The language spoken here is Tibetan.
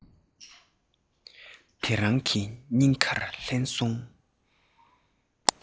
དེ རང གི སྙིང གར ལྷན སོང